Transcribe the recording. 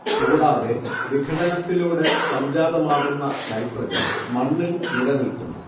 കൂടാതെ വിഘടനത്തിലൂടെ സംജാതമാകുന്ന നൈട്രജൻ മണ്ണിൽ നിലനിൽക്കുന്നു